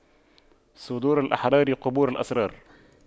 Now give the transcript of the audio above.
صدور الأحرار قبور الأسرار